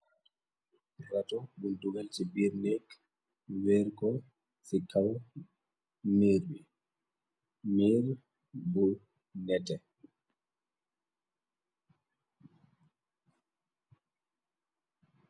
rato buntugal ci biir nek wer ko ci kaw miir bi mir bu nete